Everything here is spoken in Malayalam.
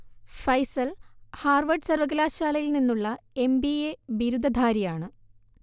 ഫൈസൽ ഹാർവഡ് സർവകലാശാലയിൽ നിന്നുള്ള എം ബി എ ബിരുദധാരിയാണ്